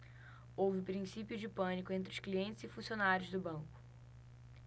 houve princípio de pânico entre os clientes e funcionários do banco